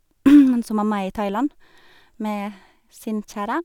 Mens hun mamma er i Thailand med sin kjære.